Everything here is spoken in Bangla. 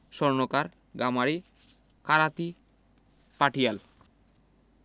স্বর্ণকার ঘরামি করাতি পাটিয়াল